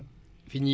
olof am na